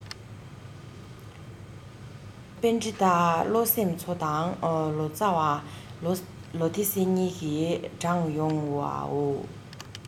པཎྡི ཏ བློ སེམས འཚོ དང ལོ ཙ བ ལི ཐེ སི གཉིས ཀྱིས དྲངས ཡོང བའོ